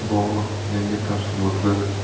bilan bog'liq yangi tafsilotlar